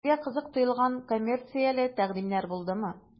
Сезгә кызык тоелган коммерцияле тәкъдимнәр булдымы?